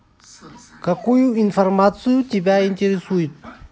какую информацию тебя интересует